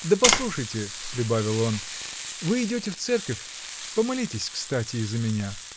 Да послушайте, -- прибавил он, -- вы идете в церковь помолитесь кстати и за меня.